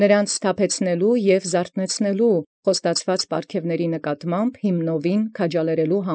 Առ ի սթափել և զարթուցանել և հաստահիմն առ ի խոստացեալ աւետիսն քաջալերել։